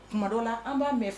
Tuma dɔ la an b'a mɛn fɛ